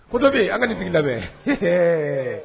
Ko dɔ bɛ yen, ani ka nin tigi lamɛn hhɛ bɛɛ.